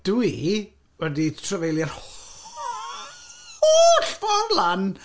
Dwi wedi trafeilio'r holl ffordd lan...